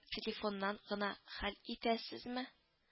Телефоннан гына хәл итәсезме